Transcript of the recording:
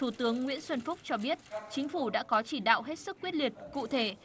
thủ tướng nguyễn xuân phúc cho biết chính phủ đã có chỉ đạo hết sức quyết liệt cụ thể